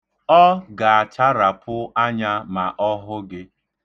Ọ ga-acharapụ anya ma ọ hụ gị.